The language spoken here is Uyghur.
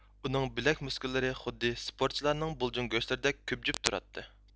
ئۇنىڭ بىلەك مۇسكۇللىرى خۇددى سپورتچىلارنىڭ بۇلجۇڭ گۆشلىرىدەك كۆبجۈپ تۇراتتى